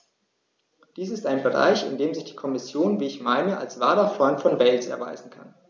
Dies ist ein Bereich, in dem sich die Kommission, wie ich meine, als wahrer Freund von Wales erweisen kann.